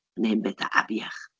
Yn hen betha afiach.